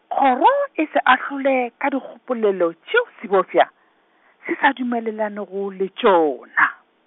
kgoro e se ahlole ka dikgopolelo tšeo sebofša, se sa dumelelanego le tšona.